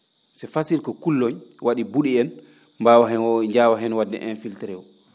c' est facile ko kulloñ wa?i bu?i en mbaawa heen njaawa heen wa?de infiltré wu